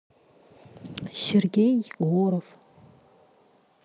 сергей егоров